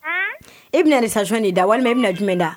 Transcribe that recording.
I bɛna ni sanconni da walima i bɛna na jumɛn da